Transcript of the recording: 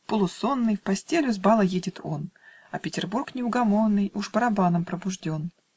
Полусонный В постелю с бала едет он: А Петербург неугомонный Уж барабаном пробужден.